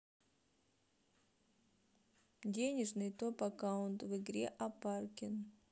денежный топ аккаунт в игре апаркин